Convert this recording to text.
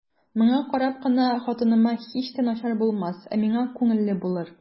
Моңа карап кына хатыныма һич тә начар булмас, ә миңа күңелле булыр.